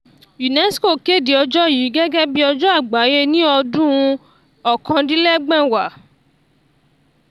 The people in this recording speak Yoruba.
UNESCO kéde ọjọ́ yìí gẹ́gẹ́ bíi Ọjọ́ Àgbáyé ní ọdún 1999.